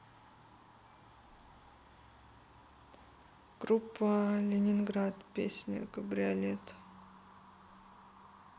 группа ленинград песня кабриолет